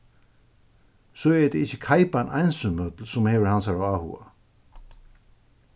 so er tað ikki keipan einsamøll sum hevur hansara áhuga